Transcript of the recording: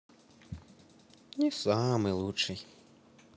не самый лучший